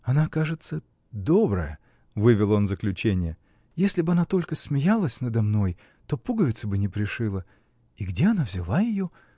Она, кажется, добрая, — вывел он заключение, — если б она только смеялась надо мной, то пуговицы бы не пришила. И где она взяла ее?